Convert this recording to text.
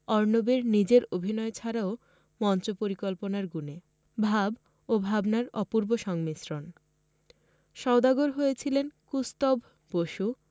অরণবের নিজের অভিনয় ছাড়াও মঞ্চ পরিকল্পনার গুনে ভাব ও ভাবনার অপূর্ব সংমিশ্রণ সওদাগর হয়েছিলেন কুস্তভ বসু